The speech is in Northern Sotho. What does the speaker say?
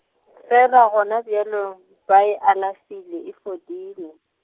fela gona bjale , ba e alafile e fodile.